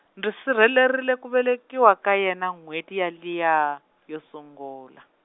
ndzi sirhelerile ku velekiwa ka yena n'hweti yaliya, yo sungula.